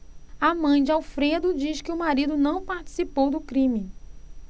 a mãe de alfredo diz que o marido não participou do crime